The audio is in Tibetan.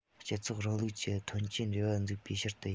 སྤྱི ཚོགས རིང ལུགས ཀྱི ཐོན སྐྱེད འབྲེལ བ འཛུགས པའི ཕྱིར དུ ཡིན